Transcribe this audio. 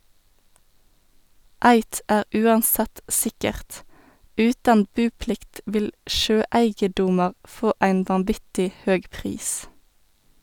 Eitt er uansett sikkert, utan buplikt vil sjøeigedomar få ein vanvittig høg pris.